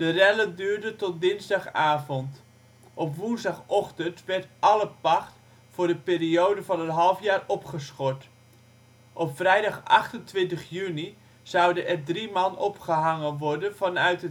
rellen duurden tot dinsdagavond. Op woensdagochtend werd alle pacht voor de periode van een halfjaar opgeschort. Op vrijdag 28 juni zouden er drie man opgehangen worden vanuit